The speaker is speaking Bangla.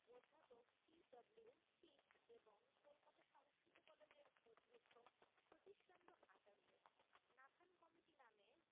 অধ্যাপক সি.ডব্লিউ পিক এবং কলকাতা সংস্কৃত কলেজের অধ্যক্ষ সতীশচন্দ্র আচার্য নাথান কমিটি নামে